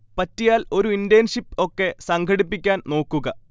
പറ്റിയാൽ ഒരു ഇന്റേൺഷിപ്പ് ഒക്കെ സംഘടിപ്പിക്കാൻ നോക്കുക